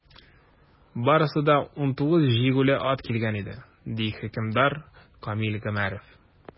Барысы 19 җигүле ат килгән иде, - ди хөкемдар Камил Гомәров.